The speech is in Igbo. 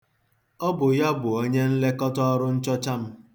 Ọ bụ ya bụ onyenlekọta ọrụ nchọcha m.